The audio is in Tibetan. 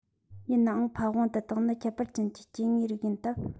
ཡིན ནའང ཕ ཝང འདི དག ནི ཁྱད པར ཅན གྱི སྐྱེ དངོས རིགས ཡིན སྟབས